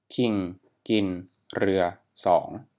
คิงกินเรือสอง